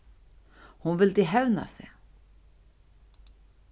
hon vildi hevna seg